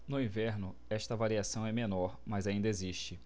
no inverno esta variação é menor mas ainda existe